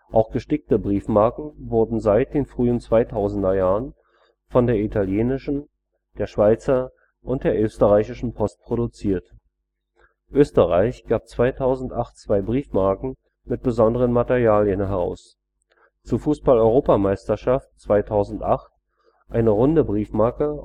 Auch gestickte Briefmarken wurden seit den frühen 2000er Jahren von der Italienischen, der Schweizer und der Österreichischen Post produziert. Österreich gab 2008 zwei Briefmarken mit besonderen Materialien heraus, zur Fußball-Europameisterschaft 2008 eine runde Briefmarke